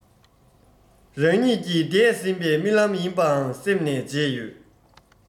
རང ཉིད ཀྱི འདས ཟིན པའི རྨི ལམ རྨི ལམ ཡིན པའང སེམས ནས བརྗེད ཡོད